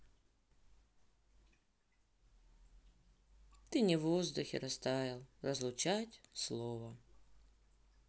ты не воздухе растаял разлучать слово